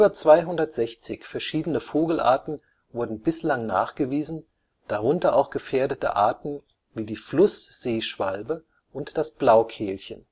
260 verschiedene Vogelarten wurden bislang nachgewiesen, darunter auch gefährdete Arten wie die Flussseeschwalbe und das Blaukehlchen